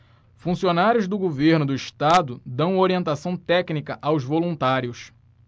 funcionários do governo do estado dão orientação técnica aos voluntários